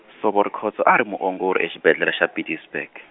Nsovo Rikhotso a ri muongori exibedlele xa Pietersburg.